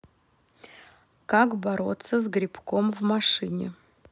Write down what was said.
как бороться с грибком в машине